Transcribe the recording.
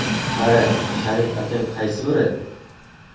qara sharif akang qaysi biri